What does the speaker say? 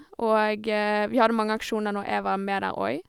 Og vi hadde mange aksjoner når jeg var med der òg.